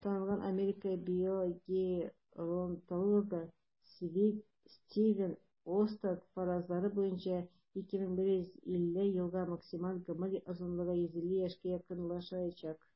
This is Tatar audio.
Танылган Америка биогеронтологы Стивен Остад фаразлары буенча, 2150 елга максималь гомер озынлыгы 150 яшькә якынлашачак.